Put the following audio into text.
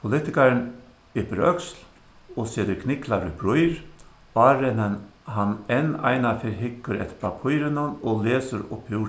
politikarin yppir øksl og setir knyklar í brýr áðrenn hann hann enn einaferð hyggur eftir pappírinum og lesur upp úr